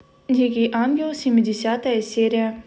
дикий ангел семидесятая серия